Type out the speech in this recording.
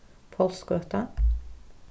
pálsgøta